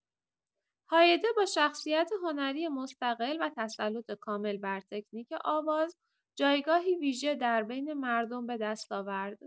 هایده با شخصیت هنری مستقل و تسلط کامل بر تکنیک آواز، جایگاهی ویژه در بین مردم به دست آورد.